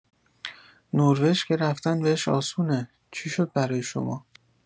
نروژ که رفتن بهش آسونه! چی شد برای شما؟